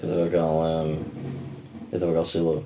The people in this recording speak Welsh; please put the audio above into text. Iddo fo gael yym, iddo fo gael sylw.